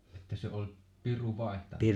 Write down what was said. että se oli piru vaihtanut